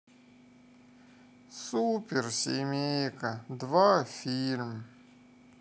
супер семейка два фильм